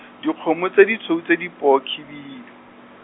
dikgomo tse ditshweu tse di poo khibidu.